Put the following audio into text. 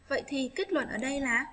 vậy thì cứ ở đây lắm